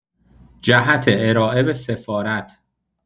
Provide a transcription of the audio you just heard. جهت ارائه به سفارت